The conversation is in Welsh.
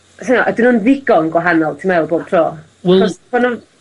t'mod ydyn nw'n ddigon gwahanol ti meddwl bob tro? Wel... Achos pan o'n